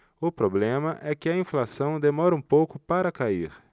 o problema é que a inflação demora um pouco para cair